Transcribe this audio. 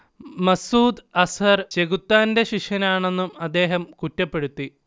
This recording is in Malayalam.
മസ്ഊദ് അസ്ഹർ ചെകുത്താന്റെ ശിഷ്യനാണെന്നും അദ്ദേഹം കുറ്റപ്പെടുത്തി